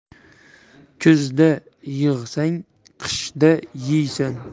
kuzda yig'sang qishda yeysan